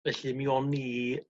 felly mi oni